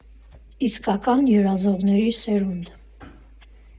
Իսկական երազողների սերունդ։